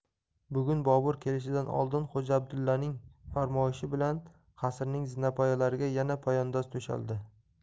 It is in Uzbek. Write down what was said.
bugun bobur kelishidan oldin xo'ja abdullaning farmoyishi bilan qasrning zinapoyalariga yana poyandoz to'shaldi